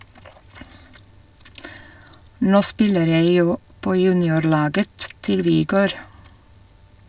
- Nå spiller jeg jo på juniorlaget til Vigør.